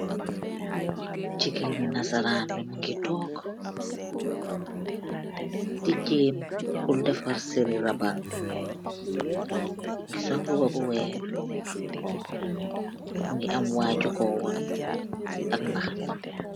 Jigéeni nasaraan la mungi Jigéen buy defer seri rabbal, di sol mbuba bu weex, mungi am waaxu kooy wan ak mbaxana.